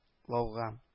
Лауга